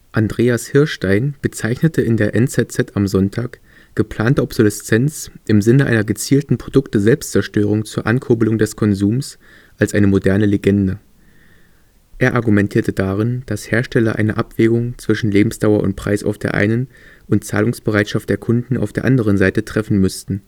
Andreas Hirstein bezeichnete in der NZZ am Sonntag „ geplante Obsoleszenz im Sinne einer gezielten Produkte-Selbstzerstörung zur Ankurbelung des Konsums “als eine moderne Legende. Er argumentierte darin, dass Hersteller eine Abwägung zwischen Lebensdauer und Preis auf der einen und Zahlungsbereitschaft der Kunden auf der anderen Seite treffen müssten